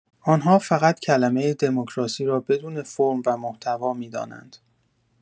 آنها فقط کلمه دموکراسی را بدون فرم و محتوا می‌دانند.